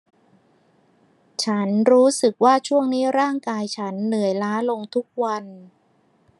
ฉันรู้สึกว่าช่วงนี้ร่างกายฉันเหนื่อยล้าลงทุกวัน